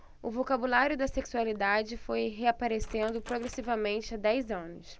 o vocabulário da sexualidade foi reaparecendo progressivamente há dez anos